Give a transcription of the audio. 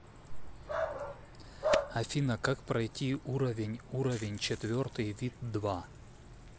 афина как пройти уровень уровень четвертый вид два